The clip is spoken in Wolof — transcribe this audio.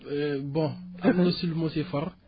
bon am na si lu ma si for